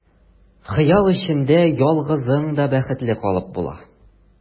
Хыял эчендә ялгызың да бәхетле калып була.